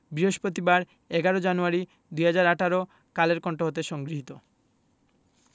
বৃহস্পতিবার ১১ জানুয়ারি ২০১৮ কালের কন্ঠ হতে সংগৃহীত